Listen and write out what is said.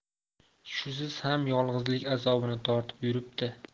shusiz ham yolg'izlik azobini tortib yuribdi